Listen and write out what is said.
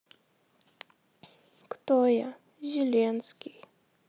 кто я зеленский